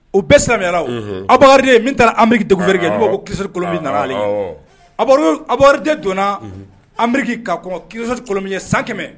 O bɛɛ silamɛya o Abubakari 2 min taara Ameriki découverte kɛ n'u b'a ko Kirisitofu Kolɔnmu nana ale ɲɛ Abubakari 2 don na Ameriki ka kɔn kirisitɔfu kolɔnmu ɲɛ san 100